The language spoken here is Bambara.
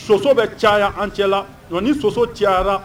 Soso bɛ caya an cɛ la nga ni soso cayayara